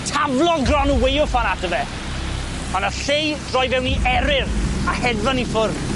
Taflodd Gronw waywffon ato fe on' nath Llei droi fewn i Eryr a hedfan i ffwrdd.